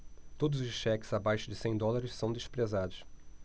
todos os cheques abaixo de cem dólares são desprezados